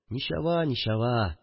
Ничава, ничава